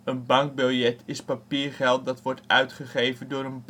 bankbiljet is papiergeld dat wordt uitgegeven door een